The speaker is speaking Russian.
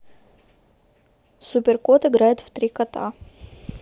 супер кот играет в три кота